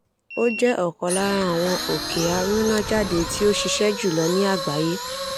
Ó jẹ́ ọ̀kan lára àwọn òkè-arúnájáde tí ó ṣiṣẹ́ jùlọ ní àgbáyé.